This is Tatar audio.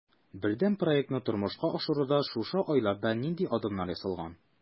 Бердәм проектны тормышка ашыруда шушы айларда нинди адымнар ясалган?